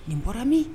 Nin bɔra min